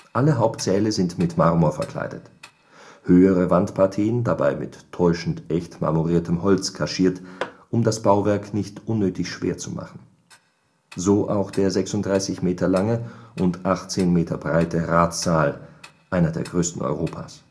Alle Hauptsäle sind mit Marmor verkleidet, höhere Wandpartien dabei mit täuschend echt marmoriertem Holz kaschiert, um das Bauwerk nicht unnötig schwer zu machen. So auch der 36 Meter lange und 18 Meter breite Ratssaal, einer der größten Europas